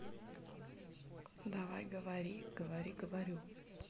давай говори говори говорю